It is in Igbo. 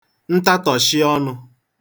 ntatàshị ọnụ̄